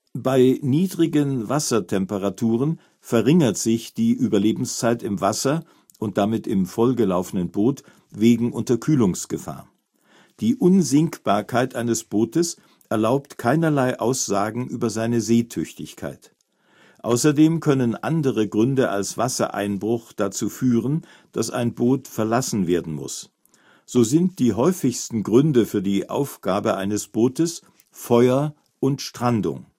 Bei niedrigen Wassertemperaturen verringert sich die Überlebenszeit im Wasser (und damit im vollgelaufenen Boot) wegen Unterkühlungsgefahr. Die Unsinkbarkeit eines Bootes erlaubt keinerlei Aussagen über seine Seetüchtigkeit. Außerdem können andere Gründe als Wassereinbruch dazu führen, dass ein Boot verlassen werden muss; so sind die häufigsten Gründe für die Aufgabe eines Bootes Feuer und Strandung